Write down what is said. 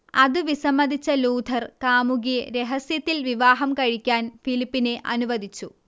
അതു വിസമ്മതിച്ച ലൂഥർ കാമുകിയെ രഹസ്യത്തിൽ വിവാഹം കഴിക്കാൻ ഫിലിപ്പിനെ അനുവദിച്ചു